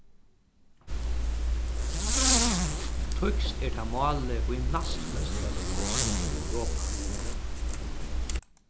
týskt er tað málið ið næstflest fólk tosa í europa